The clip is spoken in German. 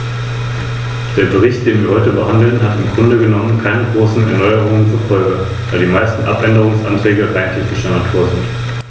Daher hat die italienische Delegation der Demokratischen Partei beschlossen, sich der Stimme zu enthalten.